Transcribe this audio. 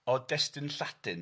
o destun Lladin.